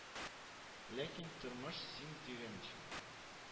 Ләкин тормыш син дигәнчә